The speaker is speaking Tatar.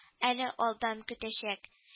Әле алдан көтәчәк